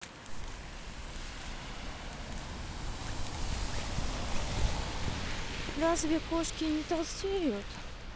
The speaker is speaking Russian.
разве кошки не толстеют